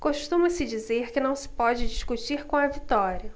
costuma-se dizer que não se pode discutir com a vitória